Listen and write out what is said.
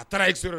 A taara'